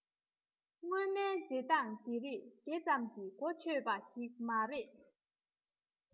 སྔོན མའི བྱེད སྟངས དེ རིགས དེ ཙམ གྱིས གོ ཆོད པ ཞིག མ རེད